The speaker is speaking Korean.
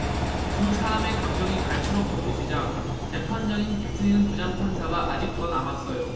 두 사람의 감정이 갈수록 격해지자 재판장인 김세윤 부장판사가 아직 더 남았어요